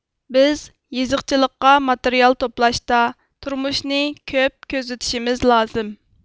بىز يېزىقچىلىققا ماتېرىيال توپلاشتا تۇرمۇشىنى كۆپ كۆزىتىشىمىز لازىم